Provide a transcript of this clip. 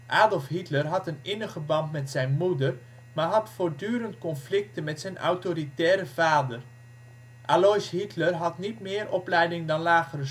Adolf Hitler had een innige band met zijn moeder maar had voortdurend conflicten met zijn autoritaire vader. Alois Hitler had niet meer opleiding dan lagere